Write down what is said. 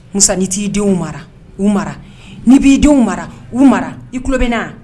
Musa ni t'i denw mara, u mara, ni b'i denw mara, u mara i tulo bɛ na wa ?